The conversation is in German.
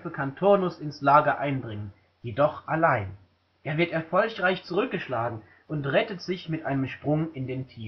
kann Turnus ins Lager eindringen, jedoch allein; er wird erfolgreich zurückgeschlagen und rettet sich mit einem Sprung in den Tiber